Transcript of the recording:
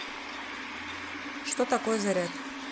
что такое заряд